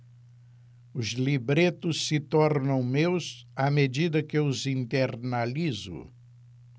os libretos se tornam meus à medida que os internalizo